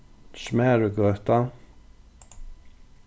smærugøta